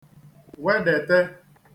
wedète